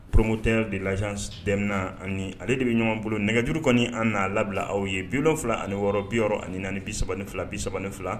Promoteur de l'agence Dainna an ni ale de bɛ ɲɔgɔn bolo nɛgɛjuru kɔni an na labila aw ye 76 64 32 32